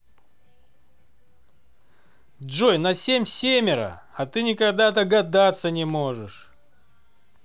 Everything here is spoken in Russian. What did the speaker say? джой на семь семеро а ты никогда дагадаться не можешь